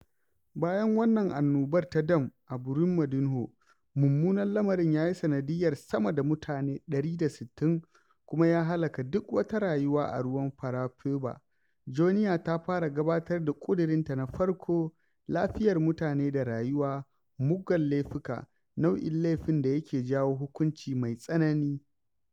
Bayan wannan annobar ta dam a Brumadinho, mummunan lamarin ya yi sanadiyyar sama da mutane 160 kuma ya halaka duk wata rayuwa a ruwan Paraopeba, Joenia ta fara gabatar da ƙudurinta na farko, lafiyar mutane da rayuwa, "muggan laifuka" nau'in laifin da yake jawo hukunci mai tsanani.